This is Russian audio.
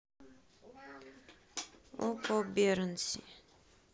окко бернси